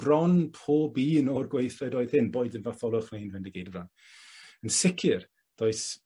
bron pob un o'r gweithredoedd hyn boed yn Fatholwch neu'n Fendigeidfran. Yn sicir, does